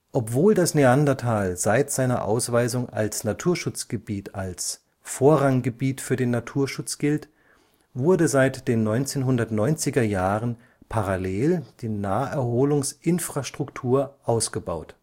Obwohl das Neandertal seit seiner Ausweisung als Naturschutzgebiet als Vorranggebiet für den Naturschutz gilt, wurde seit den 1990er Jahren parallel die Naherholungsinfrastruktur ausgebaut